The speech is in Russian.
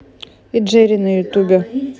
и джерри на ютубе